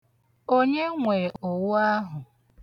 Onye nwe owu ahụ?